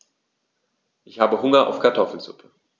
Ich habe Hunger auf Kartoffelsuppe.